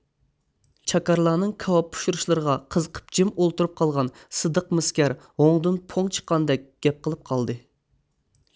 چاكارلارنىڭ كاۋاپ پىشۇرۇشلىرىغا قىزىقىپ جىم ئولتۇرۇپ قالغان سىدىق مىسكەر ھوڭدىن پوڭ چىققاندەك گەپ قىلىپ قالدى